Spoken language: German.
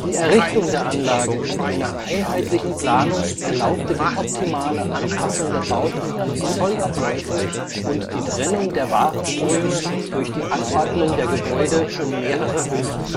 Errichtung der Anlage in einer einheitlichen Planung erlaubte die optimale Anpassung der Bauten an die Zollabläufe und die Trennung der Warenströme durch die Anordnung der Gebäude um mehrere Höfe